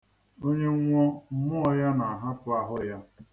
Onye nwụọ, mmụọ ya na-ahapụ ahụ ya.